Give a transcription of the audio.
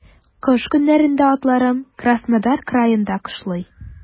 Кыш көннәрендә атларым Краснодар краенда кышлый.